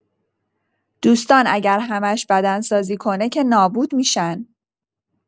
دوستان اگر همش بدنسازی کنه که نابود می‌شن